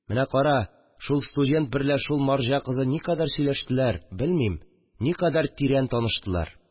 Менә кара, шул студент берлә шул марҗа кызы никадәр сөйләштеләр, белмим, никадәр тирән таныштылар